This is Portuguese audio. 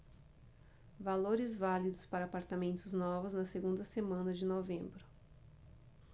valores válidos para apartamentos novos na segunda semana de novembro